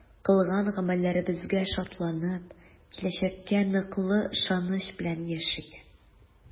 Кылган гамәлләребезгә шатланып, киләчәккә ныклы ышаныч белән яшик!